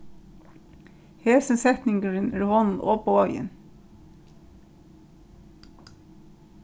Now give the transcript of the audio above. hesin setningur er honum ovboðin